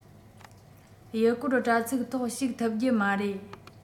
ཡུལ སྐོར དྲ ཚིགས ཐོག ཞུགས ཐུབ རྒྱུ མ རེད